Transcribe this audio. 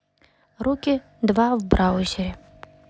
руки два в браузере